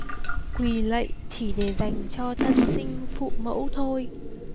quỳ lạy chỉ để dành cho thân sinh phụ mẫu thôi